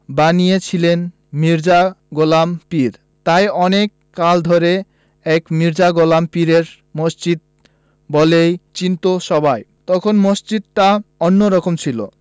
বানিয়েছিলেন মির্জা গোলাম পীর তাই অনেক কাল ধরে একে মির্জা গোলাম পীরের মসজিদ বলেই চিনতো সবাই তখন মসজিদটা অন্যরকম ছিল